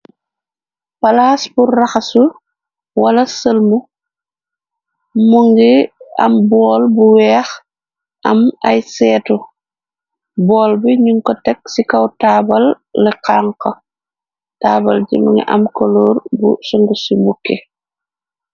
Palaas bu raxasu wala sëlmu mu ngi am bool bu weex am ay seetu, bool bi nuñ ko teg ci kaw taabal li xanq taabal jimu ngi am koluur bu sungu ci mbukke.